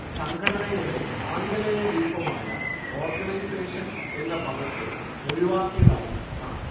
സംഘടനയുടെ ആംഗലേയ രൂപമായ ഓർഗനൈസേഷൻ എന്ന പദത്തെ ഒഴിവാക്കിയതായി കാണാം